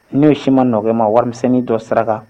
N'o si ma nɔgɔya ma warimisɛnnin dɔ sira